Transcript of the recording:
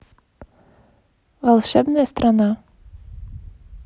волшебная страна